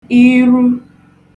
iru